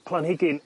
planhigyn